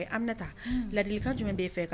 Ladili kan jumɛn b' fɛ